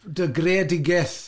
Dy greadigaeth.